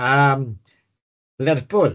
Yym Lerpwl.